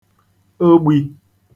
ogbī